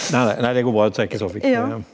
nei nei nei det går bra, du trenge ikke .